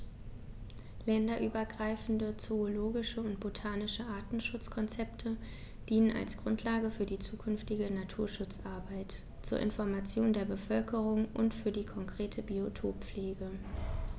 Länderübergreifende zoologische und botanische Artenschutzkonzepte dienen als Grundlage für die zukünftige Naturschutzarbeit, zur Information der Bevölkerung und für die konkrete Biotoppflege.